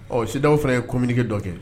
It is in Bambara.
Ɔ sidaw fana ye komge dɔ kɛ